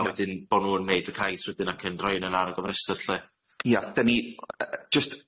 A wedyn bo' nw'n neud y cais wedyn ac yn rhoi yn yn ar y gofrestyr lly. Ia da ni